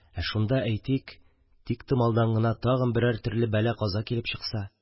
Ә шунда, әйтик, тиктомалдан гына тагын берәр төрле бәлә-каза килеп чыкса?